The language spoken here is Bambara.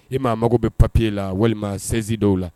I maa mago bɛ papier la walima saisie dɔw la